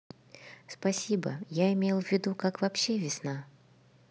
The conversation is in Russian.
спасибо я имел ввиду как вообще весна